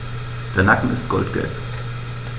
Der Nacken ist goldgelb.